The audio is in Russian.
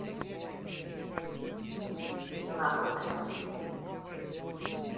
на хуй пойдешь